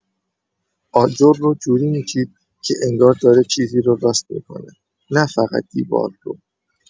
آجر رو جوری می‌چید که انگار داره چیزی رو راست می‌کنه، نه‌فقط دیوارو.